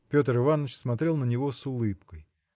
Петр Иваныч смотрел на него с улыбкой.